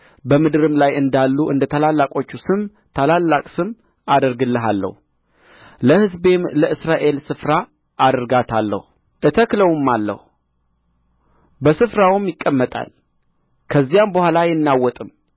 በምድርም ላይ እንዳሉ እንደ ታላላቆቹ ስም ታላቅ ስም አደርግልሃለሁ ለሕዝቤም ለእስራኤል ስፍራ አደርግለታለሁ እተክለውማለሁ በስፍራውም ይቀመጣል ከዚያም በኋኋላ አይናወጥ